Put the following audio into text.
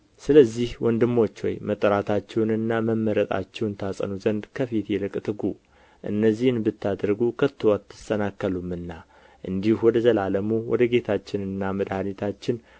ስለዚህ ወንድሞች ሆይ መጠራታችሁንና መመረጣችሁን ታጸኑ ዘንድ ከፊት ይልቅ ትጉ እነዚህን ብታደርጉ ከቶ አትሰናከሉምና እንዲሁ ወደ ዘላለሙ ወደ ጌታችንና መድኃኒታችን